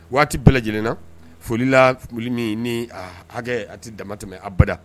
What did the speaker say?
Waati bɛɛ lajɛlen na foli la, foli min ni a a hakɛ a tɛ damatɛmɛ abada